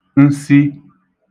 nsi